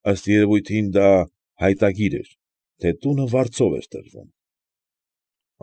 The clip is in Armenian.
Ըստ երևույթին դա հայտագիր էր, թե տունը վարձով է տրվում։